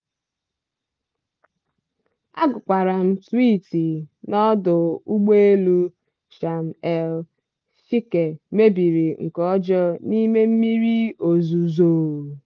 Agụkwara m twiit na ọdụ ụgbọ elu Sharm El-Sheikh mebiri nke ọjọọ n'ime mmiri ozuzo!